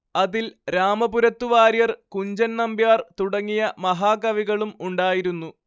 അതിൽ രാമപുരത്തു വാര്യർ കുഞ്ചൻ നമ്പ്യാർ തുടങ്ങിയ മഹാകവികളും ഉണ്ടായിരുന്നു